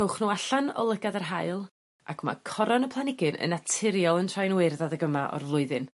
rhowch n'w allan o lygad yr haul ac ma' coron y planigyn yn naturiol yn troi'n wyrdd adeg yma o'r flwyddyn.